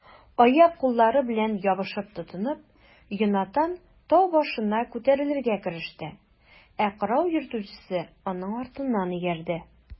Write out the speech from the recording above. Аяк-куллары белән ябышып-тотынып, Йонатан тау башына күтәрелергә кереште, ә корал йөртүчесе аның артыннан иярде.